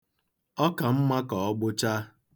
Ọ ka mma ka ọ gbụchaa .